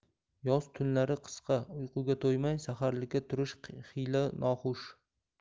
yoz tunlari qisqa uyquga to'ymay saharlikka turish xiyla noxush